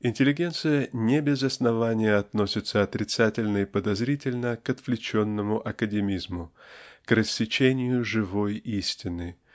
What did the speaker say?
Интеллигенция не без основания относится отрицательно и подозрительно к отвлеченному академизму к рассечению живой истины